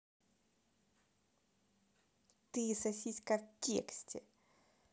ты сосиска в тесте